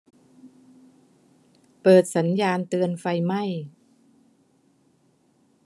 เปิดสัญญาณเตือนไฟไหม้